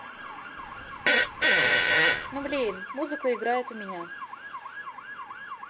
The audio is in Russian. ну блин музыка играет у меня